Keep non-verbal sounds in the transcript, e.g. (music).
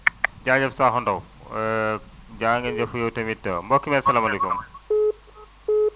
(noise) jaajëf Sakho Ndao (hesitation) jaa ngeen jëf yow tamit mbokk mi asalaamaaleykum (noise)